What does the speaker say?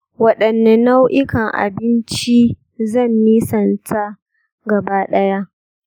waɗanne nau'ukan abinci zan nisanta gaba-ɗaya?